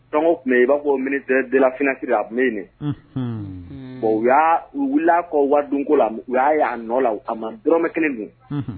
Tɔngɔ tun i b'a fɔ mini dafinnaki a bɛ yen bon u y'a wulila kɔ waduko la u y'a'a nɔ la a ma dmɛ kelen don